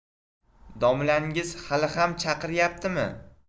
domlangiz hali ham chaqiryaptimi